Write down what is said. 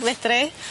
Fedri.